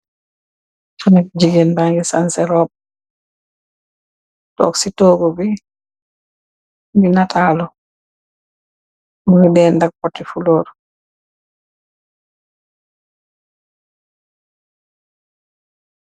Xale bu jigéen bangi sanse robu, toog ci toogu bi di nataalu munge deen deng poti fu loor